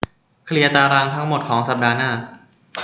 เคลียร์ตารางทั้งหมดของสัปดาห์หน้า